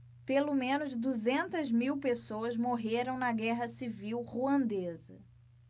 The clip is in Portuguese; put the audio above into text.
pelo menos duzentas mil pessoas morreram na guerra civil ruandesa